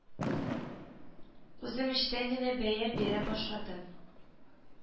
Үзем эчтән генә бәя бирә башладым